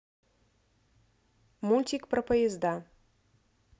мультик про поезда